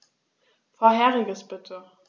Vorheriges bitte.